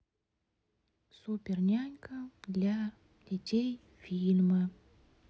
супернянька для детей фильмы